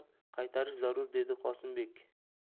qaytarish zarur dedi qosimbek